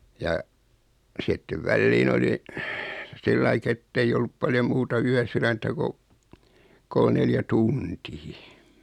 ja sitten väliin oli sillä lailla että ei ollut paljon muuta yösydäntä kun kolme neljä tuntia